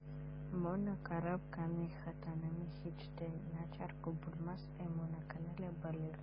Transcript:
Моңа карап кына хатыныма һич тә начар булмас, ә миңа күңелле булыр.